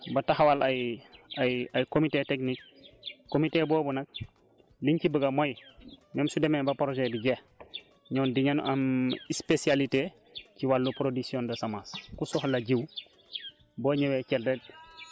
parce que loolu mooy objectif bi dinañ dem ba ba taxawal ay ay ay comités technique comité boobu nag liñ ci bëgg mooy même su demee ba projet bi jeex ñooñu di ngeen am spécialité ci wàllu production de semence